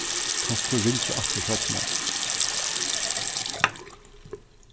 kanst tú ringja aftur seinni